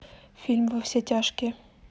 фильм во все тяжкие